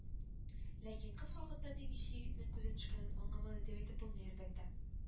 Ләкин кыз хакында диңгезче егетнең күзе төшкәнен аңламады дип әйтеп булмый, әлбәттә